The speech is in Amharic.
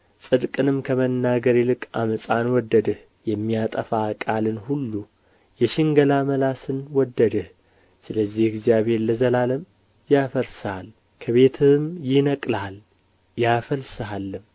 ጽድቅንም ከመናገር ይልቅ ዓመፃን ወደድህ የሚያጠፉ ቃልን ሁሉ የሽንገላ ምላስን ወደድህ ስለዚህ እግዚአብሔር ለዘላለም ያፈርስሃል ከቤትህም ይነቅልሃል ያፈልስሃልም